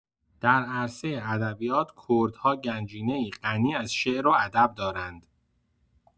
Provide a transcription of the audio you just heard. در عرصه ادبیات، کردها گنجینه‌ای غنی از شعر و ادب دارند.